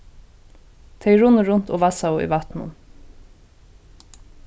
tey runnu runt og vassaðu í vatninum